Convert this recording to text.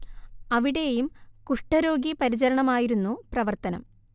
അവിടേയും കുഷ്ഠരോഗി പരിചരണമായിരുന്നു പ്രവർത്തനം